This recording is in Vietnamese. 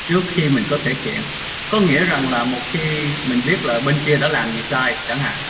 trước khi mình có thể kiện có nghĩa rằng là một khi mình biết là bên kia đã làm gì sai chẳng hạn